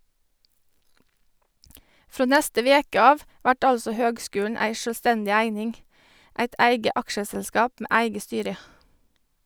Frå neste veke av vert altså høgskulen ei sjølvstendig eining, eit eige aksjeselskap med eige styre.